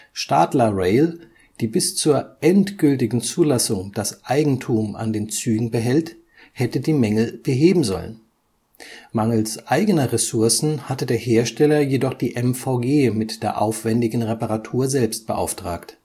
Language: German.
Stadler Rail, die bis zur endgültigen Zulassung das Eigentum an den Zügen behält, hätte die Mängel beheben sollen; mangels eigener Ressourcen hatte der Hersteller jedoch die MVG mit der aufwändigen Reparatur selbst beauftragt